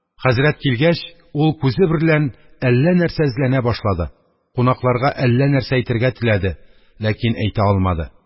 Хәзрәт килгәч, ул күзе берлән әллә нәрсә эзләнә башлады, кунакларга әллә нәрсә әйтергә теләде, ләкин әйтә алмады.